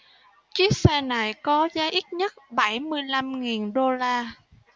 chiếc xe này có giá ít nhất bảy mươi lăm nghìn đô la